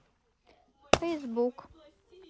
фейсбук